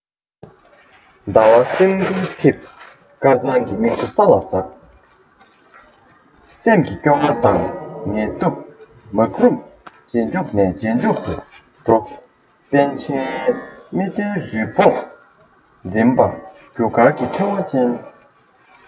ཟླ བ ལ སེམས འགུལ ཐེབས དཀར གཙང གི མིག ཆུ ས ལ ཟགས བཞིན འདུག འགའི སེམས ཀྱི སྐྱོ བ དང ངལ དུབ སྨག རུམ ཇེ མཐུག ནས ཇེ མཐུག ཏུ འགྲོ པཎ ཆེན སྨྲི ཏིའི རི བོང འཛིན པ རྒྱུ སྐར ཕྲེང བ ཅན